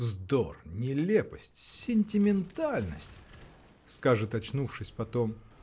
— Вздор, нелепость, сентиментальность! — скажет, очнувшись, потом.